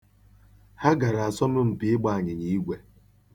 Ha gara asọmpi ịgba ànyị̀nyà igwè.